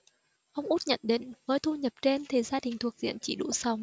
ông út nhận định với thu nhập trên thì gia đình thuộc diện chỉ đủ sống